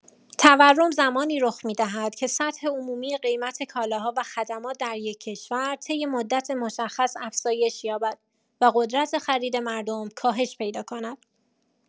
تورم زمانی رخ می‌دهد که سطح عمومی قیمت کالاها و خدمات در یک کشور طی مدت مشخص افزایش یابد و قدرت خرید مردم کاهش پیدا کند.